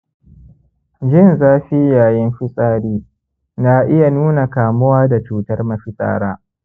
jin zafi yayin fitsari na iya nuna kamuwa da cutar mafitsara